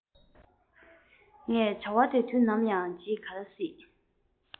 ངས བྱ བ དེ དུས ནམ ཡང བརྗེད ག ལ སྲིད